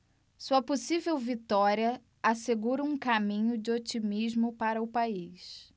sua possível vitória assegura um caminho de otimismo para o país